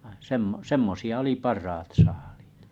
vaan - semmoisia oli parhaat saaliit